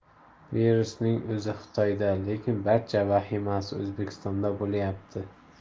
virusning o'zi xitoyda lekin barcha vahimasi o'zbekistonda bo'lyapti